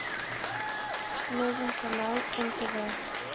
нужен канал нтв